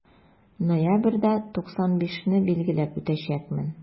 Ноябрьдә 95 не билгеләп үтәчәкмен.